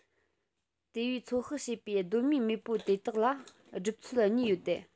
དེ བས ཚོད དཔག བྱས པའི གདོད མའི མེས པོ དེ དག ལ སྒྲུབ ཚོད གཉིས ཡོད དེ